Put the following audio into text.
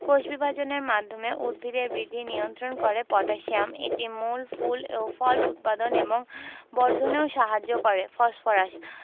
কোষবিভাজনের মাধ্যমে উদ্ভিদের বৃদ্ধি নিয়ন্ত্রণ করে পটাশিয়াম এটি মূল ফুল ও ফল উৎপাদন এবং বর্ধনেও সাহায্য করে ফসফরাস